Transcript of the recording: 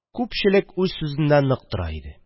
Күпчелек үз сүзендә нык тора иде.